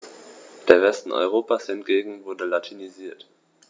Der Westen Europas hingegen wurde latinisiert.